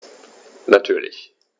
Natürlich.